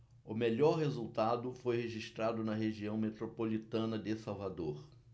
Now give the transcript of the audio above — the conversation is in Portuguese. o melhor resultado foi registrado na região metropolitana de salvador